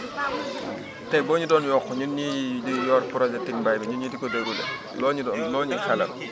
tey boo ñu doon yokk ñun ñii di yor projet tic mbay bi ñun ñii di ko déroulé loo ñu doon loo ñuy xelal